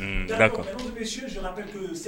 Da